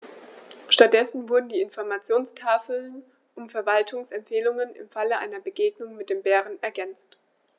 Stattdessen wurden die Informationstafeln um Verhaltensempfehlungen im Falle einer Begegnung mit dem Bären ergänzt.